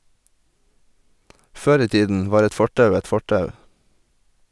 Før i tiden var et fortau et fortau.